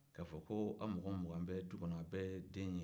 ka fɔ ko an mɔgɔ mugan bɛ du kɔnɔ a bɛɛ ye den ye